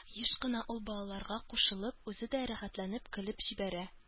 Еш кына ул, балаларга кушылып, үзе дә рәхәтләнеп көлеп җибәрә.